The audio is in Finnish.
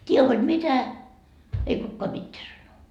tee hod mitä ei kukaan mitään sano